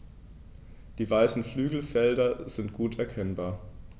Die weißen Flügelfelder sind gut erkennbar.